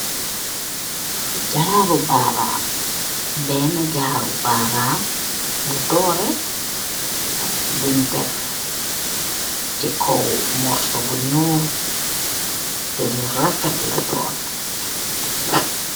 behna jaru baram .